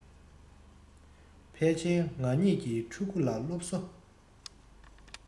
ཕལ ཕྱིར ང གཉིས ཀྱི ཕྲུ གུ ལ སློབ གསོ